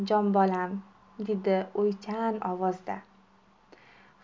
jon bolam dedi o'ychan ovozda